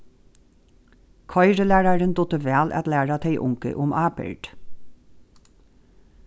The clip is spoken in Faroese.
koyrilærarin dugdi væl at læra tey ungu um ábyrgd